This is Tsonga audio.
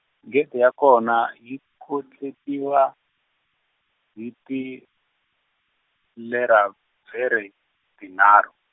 gede ya kona yi kotletiwa, hi tivLeravhere tinharhu.